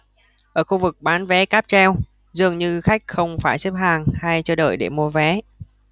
ở khu vực bán vé cáp treo dường như khách không phải xếp hàng hay chờ đợi để mua vé